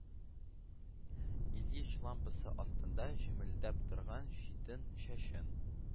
Ильич лампасы астында җемелдәп торган җитен чәчен